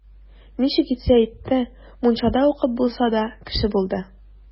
Ничек итсә итте, мунчада укып булса да, кеше булды.